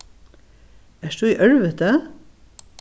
ert tú í ørviti